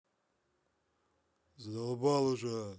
задолбал уже